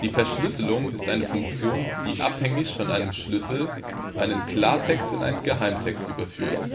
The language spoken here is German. Die Verschlüsselung ist eine Funktion, die abhängig von einem Schlüssel einen Klartext in einen Geheimtext überführt,